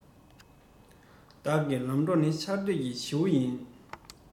བདག གི ལམ གྲོགས ནི ཆར སྡོད ཀྱི བྱེའུ ཡིན